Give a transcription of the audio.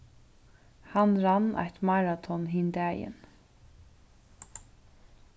hann rann eitt maraton hin dagin